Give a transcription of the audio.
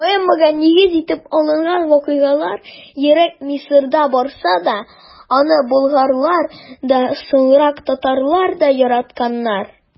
Поэмага нигез итеп алынган вакыйгалар ерак Мисырда барса да, аны болгарлар да, соңрак татарлар да яратканнар.